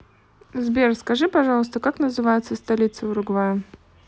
сбер скажи пожалуйста как называется столица уругвая